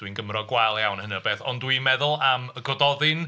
Dwi'n Gymro gwael iawn yn hynna o beth, ond dwi'n meddwl am y Gododdin.